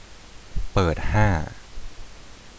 เปิดห้า